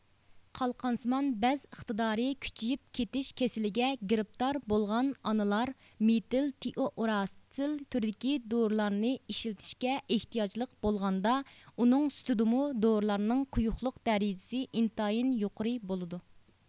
قالقانسىمان بەز ئىقتىدارى كۈچىيىپ كېتىش كېسىلىگە گىرىپتار بولغان ئانىلار مېتىل تىئوئۇراتسىل تۈرىدىكى دورىلارنى ئىشلىتىشكە ئېھتىياجلىق بولغاندا ئۇنىڭ سۈتىدىمۇ دورىلارنىڭ قويۇقلۇق دەرىجىسى ئىنتايىن يۇقىرى بولىدۇ